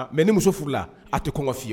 Mais ni muso furula a te kɔŋɔ fiyewu